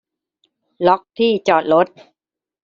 ล็อคที่จอดรถ